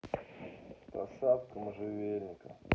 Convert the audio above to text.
посадка можжевельника